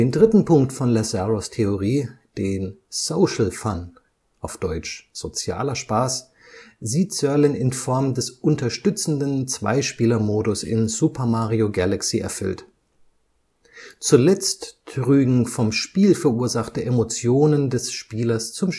dritten Punkt von Lazzaros Theorie, den „ Social Fun “(„ sozialer Spaß “), sieht Sirlin in Form des unterstützenden Zweispielermodus in Super Mario Galaxy erfüllt. Zuletzt trügen vom Spiel verursachte Emotionen des Spielers zum